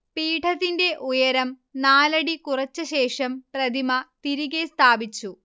പീഠത്തിന്റെ ഉയരം നാലടി കുറച്ചശേഷം പ്രതിമ തിരികെ സ്ഥാപിച്ചു